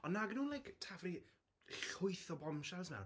Ond nag y'n nhw'n like taflu llwyth o bombshells mewn?